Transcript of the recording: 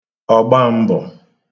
ọ̀gbam̄bọ̀